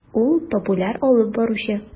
Ул - популяр алып баручы.